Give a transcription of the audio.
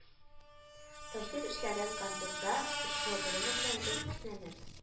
Таһир эшләгән кантурда очлы борыны белән гел иснәнеп